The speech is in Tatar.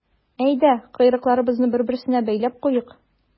Әйдә, койрыкларыбызны бер-берсенә бәйләп куйыйк.